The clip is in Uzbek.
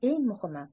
eng muhimi